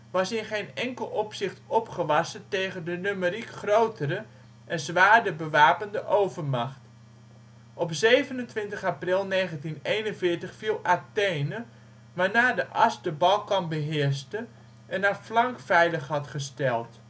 was in geen enkel opzicht opgewassen tegen de numeriek grotere en zwaarder bewapende overmacht. Op 27 april 1941 viel Athene, waarna de As de Balkan beheerste en haar flank veilig had gesteld